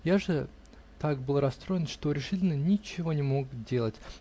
я же так был расстроен, что решительно ничего не мог делать.